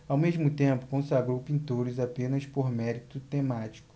ao mesmo tempo consagrou pintores apenas por mérito temático